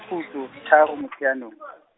kgutlo, tharo, Motsheanong .